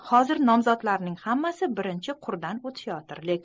hozir nomzodlarning hammasi birinchi qurdan o'tishayotir